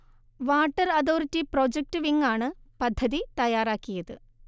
water authority project wing ആണ് പദ്ധതി തയ്യാറാക്കിയത്